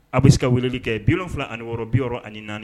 A bɛ se ka wuleli kɛ 76 64